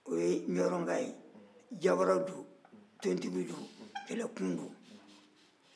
jawara don tontigiw don kɛlɛkunw don min dar'o kan